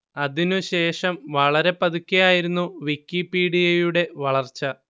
അതിനു ശേഷം വളരെ പതുക്കെ ആയിരുന്നു വിക്കിപീഡിയയുടെ വളർച്ച